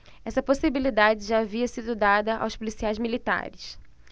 essa possibilidade já havia sido dada aos policiais militares